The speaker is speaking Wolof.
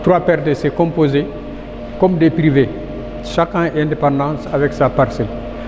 3PRD c' est composé comme des privés chacun est indépendant avec sa parcelle